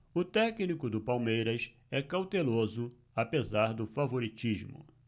o técnico do palmeiras é cauteloso apesar do favoritismo